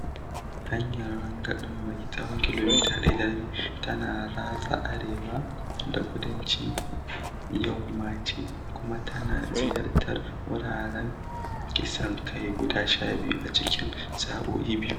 Hanyar rangadin mai tsawon kilomita 1.5 tana ratsa arewa da kudancin Yau Ma Tei, kuma tana ziyartar wuraren kisan kai guda 12 a cikin sa'o'i biyu.